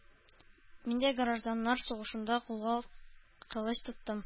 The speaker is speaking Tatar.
Мин дә гражданнар сугышында кулга кылыч тоттым